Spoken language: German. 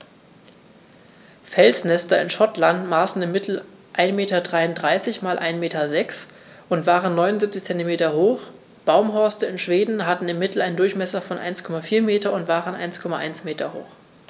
Felsnester in Schottland maßen im Mittel 1,33 m x 1,06 m und waren 0,79 m hoch, Baumhorste in Schweden hatten im Mittel einen Durchmesser von 1,4 m und waren 1,1 m hoch.